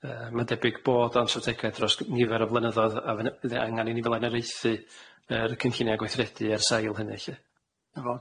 Yy ma'n debyg bod ansategau dros nifer o flynyddo'dd a fyne- fydde angan i ni flaenioraethu yr cynllunie a gweithredu ar sail hynny lly. Na fo.